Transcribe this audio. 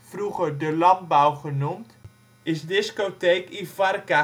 vroeger ' de landbouw ' genoemd) is discotheek ´Ivarca´